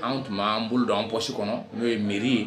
Anw tun b'an bolo dɔn anɔsi kɔnɔ n'o ye miiri ye